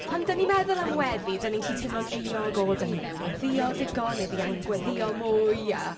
Pan dan ni'n meddwl am weddi, dan ni'n gallu teimlo'n euog, "O, dan ni ddim yn gweddïo digon neu fi angen gweddïo mwy", a...